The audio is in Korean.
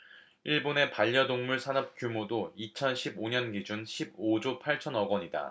일본의 반려동물 산업 규모도 이천 십 오 년 기준 십 오 조 팔천 억 원이다